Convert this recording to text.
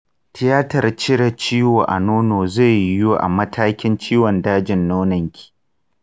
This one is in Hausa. tiyatar cire ciwo a nono zai yiwu a matakin ciwon dajin nononki.